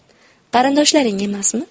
qarindoshlaring emasmi